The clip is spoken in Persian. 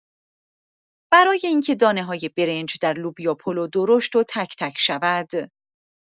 برای اینکه دانه‌های برنج در لوبیا پلو درشت و تک‌تک شود.